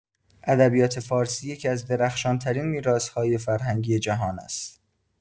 ادبیات فارسی یکی‌از درخشان‌ترین میراث‌های فرهنگی جهان است.